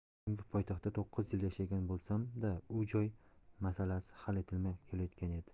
chunki poytaxtda to'qqiz yil yashagan bo'lsam da uy joy masalasi hal etilmay kelayotgan edi